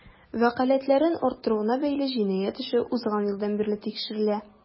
Вәкаләтләрен арттыруына бәйле җинаять эше узган елдан бирле тикшерелә.